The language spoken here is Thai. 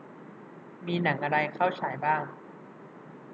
มีหนังอะไรเข้าฉายบ้าง